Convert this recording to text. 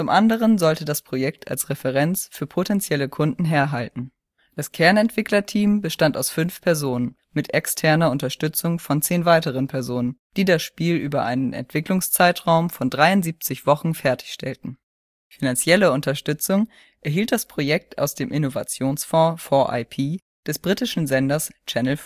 anderen sollte das Projekt als Referenz für potentielle Kunden herhalten. Das Kernentwicklerteam bestand aus fünf Personen, mit externer Unterstützung von zehn weiteren Personen, die das Spiel über einen Entwicklungszeitraum von 73 Wochen fertigstellten. Finanzielle Unterstützung erhielt das Projekt aus dem Innovationsfond 4ip des britischen Senders Channel